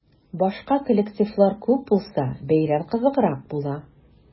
Башка коллективлар күп булса, бәйрәм кызыграк була.